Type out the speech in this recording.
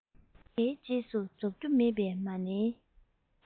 དེའི རྗེས སུ རྫོགས རྒྱུ མེད པའི མ ཎིའི